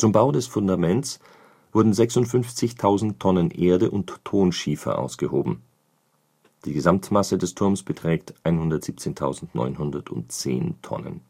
Bau des Fundaments wurden 56.000 Tonnen Erde und Tonschiefer ausgehoben, die Gesamtmasse des Turms beträgt 117.910 Tonnen